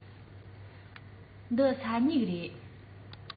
འདི ས སྨྱུག རེད